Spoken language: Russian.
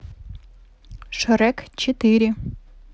шрек четыре